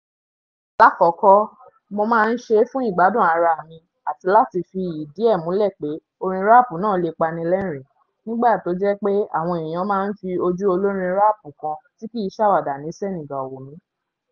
Xuman: Torí mo ti máa ń lo ẹ̀rọ agbóhùnsáfẹ́fẹ́ fún ìgbà díẹ̀ tí mo sì ní láti tẹpẹlẹ mọ àwọn ohun tó bá ojú ayé mú nínú orin... Mo gbèrò èyí fún ìṣẹ́jú kan, àmọ́ ǹjẹ́ mo tiẹ̀ ní àwọn ohun èlò tó lè mú èyí wáyé.